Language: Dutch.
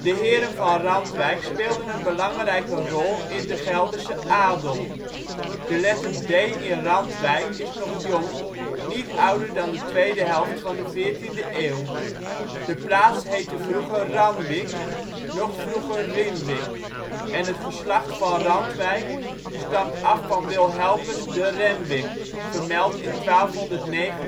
Heren van Randwijk speelden een belangrijke rol in de Gelderse adel. De letter d in Randwijk is nog jong, niet ouder dan de tweede helft van de 14de eeuw. De plaats heette vroeger Ranwic, nog vroeger Rinwic, en het geslacht Van Randwijk stamt af van Wilhelmus de Renwic, vermeld in 1299